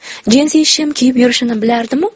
jinsi shim kiyib yurishini bilardimu